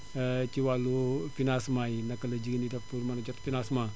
ci wàllu financements yi naka la jigéen di def pour mën a jot financement